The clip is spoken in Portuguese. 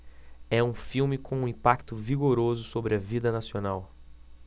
é um filme com um impacto vigoroso sobre a vida nacional